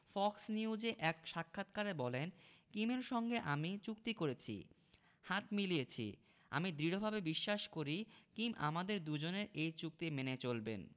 Fox নিউজে এক সাক্ষাৎকারে বলেন কিমের সঙ্গে আমি চুক্তি করেছি হাত মিলিয়েছি আমি দৃঢ়ভাবে বিশ্বাস করি কিম আমাদের দুজনের এই চুক্তি মেনে চলবেন